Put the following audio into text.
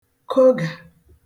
kogà